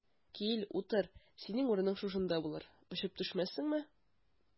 Кил, утыр, синең урының шушында булыр, очып төшмәссеңме?